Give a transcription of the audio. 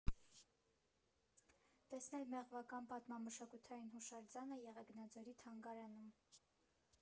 Տեսնել մեղվական պատմամշակութային հուշարձանը Եղեգնաձորի թանգարանում։